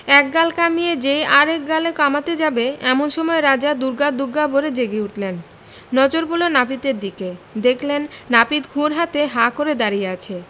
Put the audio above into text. এক গাল কামিয়ে যেই আর এক গাল কামাতে যাবে এমন সময় রাজা দুর্গা দুর্গা বলে জেগে উঠলেন নজর পড়ল নাপিতের দিকে দেখলেন নাপিত ক্ষুর হাতে হাঁ করে দাড়িয়ে আছে